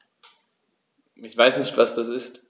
Ich weiß nicht, was das ist.